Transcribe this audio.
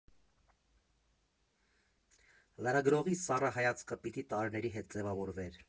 Լրագրողի սառը հայացքը պիտի տարիների հետ ձևավորվեր։